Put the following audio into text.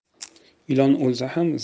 ilon o'lsa ham